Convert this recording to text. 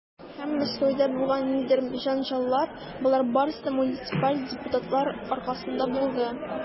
Һәм Мәскәүдә булган ниндидер җәнҗаллар, - болар барысы да муниципаль депутатлар аркасында булды.